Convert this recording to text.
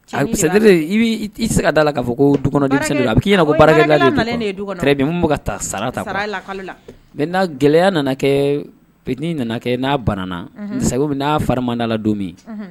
A i i se ka da la ka fɔ ko dukɔnɔ'i ka taa sara n gɛlɛya nana kɛ pt nana kɛ n'a banaana sago n'a farimada la don min